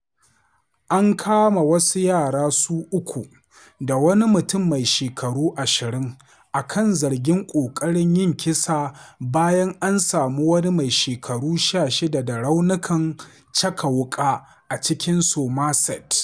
An kama wasu yara su uku da wani mutum mai shekaru 20 a kan zargin ƙoƙarin yin kisa bayan an sami wani mai shekaru 16 da raunukan caka wuƙa a cikin Somerset.